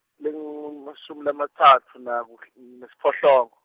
lengemashumi lamatsatfu nakuhl-, nesiphohlongo.